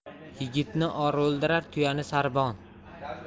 yigitni or o'ldirar tuyani sarbon